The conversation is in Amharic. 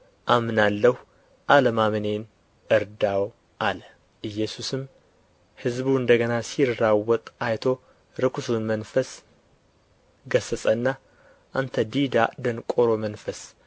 አምናለሁ አለማመኔን እርዳው አለ ኢየሱስም ሕዝቡ እንደ ገና ሲራወጥ አይቶ ርኵሱን መንፈስ ገሠጸና አንተ ዲዳ ደንቆሮም መንፈስ